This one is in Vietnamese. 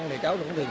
cháu cũng